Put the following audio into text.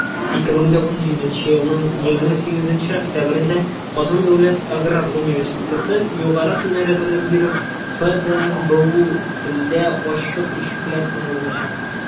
2017 елның 28 октябрендә «казан дәүләт аграр университеты» югары һөнәри белем бирү фдбмусендә ачык ишекләр көне узачак.